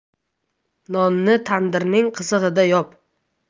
nonni tandirning qizig'ida yop